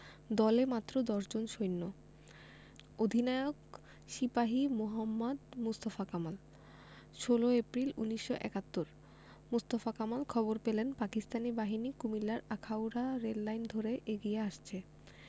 দলে মাত্র দশজন সৈন্য অধিনায়ক সিপাহি মোহাম্মদ মোস্তফা কামাল ১৬ এপ্রিল ১৯৭১ মোস্তফা কামাল খবর পেলেন পাকিস্তানি বাহিনী কুমিল্লার আখাউড়া রেললাইন ধরে এগিয়ে আসছে